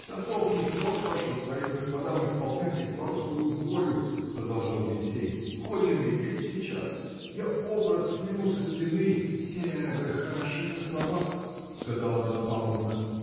– Готов не токмя что своим господам исполнять их барскую волю – продолжал Евсей – хоть умереть сейчас! Я образ сниму со стены. – Все вы хороши на словах! – сказала Анна Павловна.